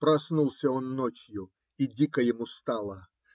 Проснулся он ночью, и дико ему стало.